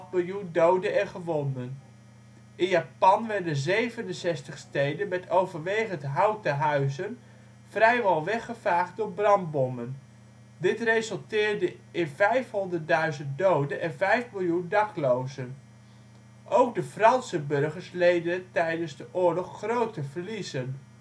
miljoen doden en gewonden. In Japan werden 67 steden met overwegend houten huizen vrijwel weggevaagd door brandbommen. Dit resulteerde in vijfhonderdduizend doden en vijf miljoen daklozen. Ook de Franse burgers leden het tijdens de oorlog grote verliezen